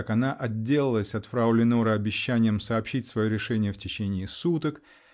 как она отделалась от фрау Леноры обещанием сообщить свое решение в течение суток